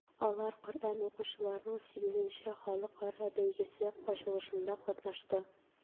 Алар Коръән укучыларның VIII халыкара бәйгесе ачылышында катнашты.